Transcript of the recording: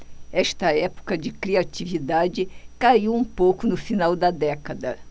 esta época de criatividade caiu um pouco no final da década